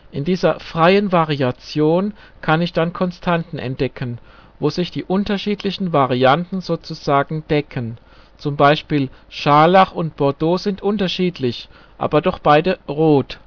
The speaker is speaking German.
In dieser freien Variation kann ich dann Konstanten entdecken, wo sich die unterschiedlichen Varianten sozusagen " decken ", z.B. Scharlach und Bordeaux sind unterschiedlich, aber doch beide Rot